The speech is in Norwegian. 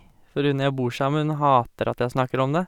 For hun jeg bor sammen med, hun hater at jeg snakker om det.